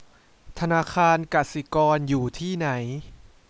ธนาคารกสิกรอยู่ที่ไหน